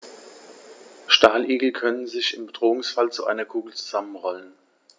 Stacheligel können sich im Bedrohungsfall zu einer Kugel zusammenrollen.